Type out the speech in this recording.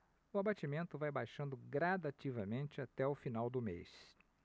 o abatimento vai baixando gradativamente até o final do mês